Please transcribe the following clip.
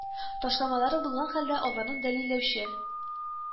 Ташламалары булган хәлдә, аларны дәлилләүче